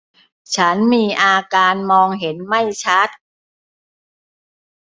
ฉันมีอาการมองเห็นไม่ชัด